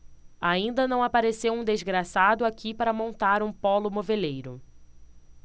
ainda não apareceu um desgraçado aqui para montar um pólo moveleiro